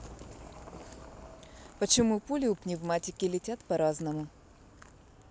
почему пули у пневматики летят по разному